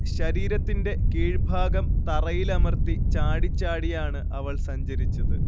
ശരീരത്തിന്റെ കീഴ്ഭാഗം തറയിലമർത്തി ചാടിച്ചാടിയാണ് അവൾ സഞ്ചരിച്ചത്